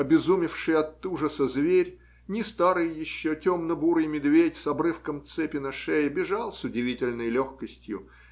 Обезумевший от ужаса зверь, не старый еще темно-бурый медведь, с обрывком цепи на шее, бежал с удивительной легкостью